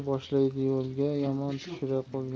yomon tushirar qo'lga